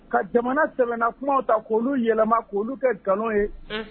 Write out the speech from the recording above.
Ka jamana sɛbɛnna kumaw ta k'olu yɛlɛma k' olu kɛ nkalon ye